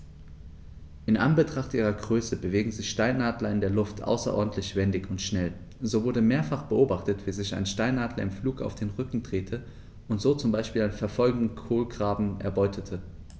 In Anbetracht ihrer Größe bewegen sich Steinadler in der Luft außerordentlich wendig und schnell, so wurde mehrfach beobachtet, wie sich ein Steinadler im Flug auf den Rücken drehte und so zum Beispiel einen verfolgenden Kolkraben erbeutete.